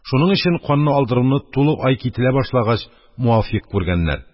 Шуның өчен канны алдыруны тулы ай кителә башлагач муафикъ күргәннәр.